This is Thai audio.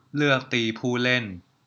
เลือกตีผู้เล่น